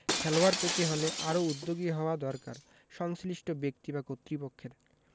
খেলোয়াড় পেতে হলে আরও উদ্যোগী হওয়া দরকার সংশ্লিষ্ট ব্যক্তি বা কর্তৃপক্ষের